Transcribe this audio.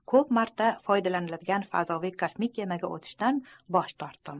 ko'p marta foydalaniladigan fazoviy kosmik kemaga o'tishdan bosh tortdim